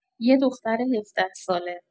یه دختر هفده‌ساله